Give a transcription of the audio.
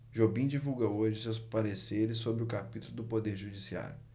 jobim divulga hoje seus pareceres sobre o capítulo do poder judiciário